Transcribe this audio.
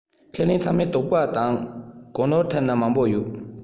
ཁས ལེན ཚང མས དོགས པ དང གོ ནོར ཐེབས ན མང པོ ཡོད